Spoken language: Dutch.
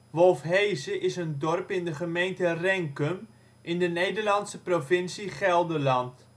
Wolfheze is een dorp in de gemeente Renkum, in de Nederlandse provincie Gelderland